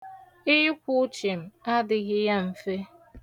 Ịkwụ chim adịghị ya mfe.